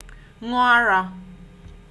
ṅụ arā